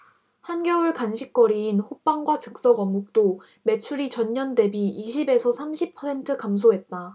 한겨울 간식거리인 호빵과 즉석어묵도 매출이 전년대비 이십 에서 삼십 퍼센트 감소했다